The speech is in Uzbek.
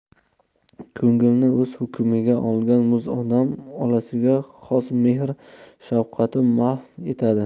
ko'ngilni o'z hukmiga olgan muz odam olasiga xos mehr shafqatni mahf etadi